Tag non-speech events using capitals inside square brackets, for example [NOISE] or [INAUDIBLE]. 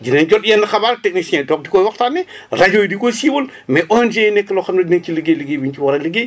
dinañ jot yenn xabaar techniciens yi toog di koy waxtaanee [BREATH] rajo yi di ko siiwal mais ONG yi nekk loo xam ne nañ ci liggéey liggéey bu ñu ci war a liggéey